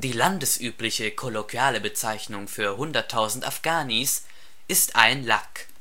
landesübliche kolloquiale Bezeichnung für 100.000 Afghanis ist: 1 Lakh